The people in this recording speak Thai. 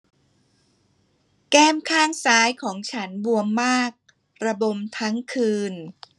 แก้มข้างซ้ายของฉันบวมมากระบมทั้งคืน